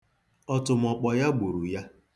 Ọtụmọkpọ ya gburu ya.